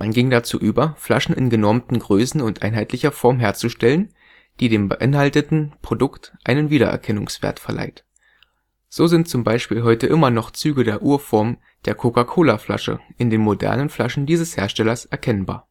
ging dazu über, Flaschen in genormten Größen und einheitlicher Form herzustellen, die dem beinhalteten Produkt einen Wiedererkennungswert verleiht. So sind zum Beispiel heute immer noch Züge der Urform der Coca-Cola-Flasche in den modernen Flaschen dieses Herstellers erkennbar